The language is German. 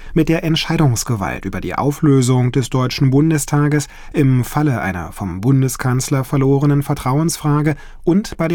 Mit der Entscheidungsgewalt über die Auflösung des Deutschen Bundestages im Falle der vom Bundeskanzler verlorenen Vertrauensfrage und bei